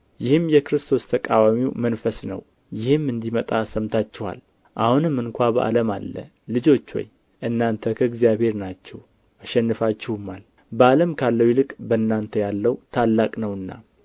ይህም የክርስቶስ ተቃዋሚው መንፈስ ነው ይህም እንዲመጣ ሰምታችኋል አሁንም እንኳ በዓለም አለ ልጆች ሆይ እናንተ ከእግዚአብሔር ናችሁ አሸንፋችኋቸውማል በዓለም ካለው ይልቅ በእናንተ ያለው ታላቅ ነውና